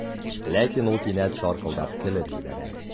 Ләкин ул кинәт шаркылдап көлеп җибәрә.